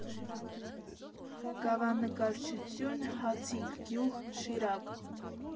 Կավանկարչություն, Հացիկ գյուղ, Շիրակ։